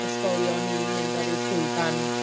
Ysgolion i mynd ar y llwyfan